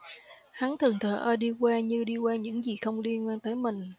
hắn thường thờ ơ đi qua như đi qua những gì không liên quan tới mình